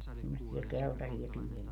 semmoisia keltaisia pieniä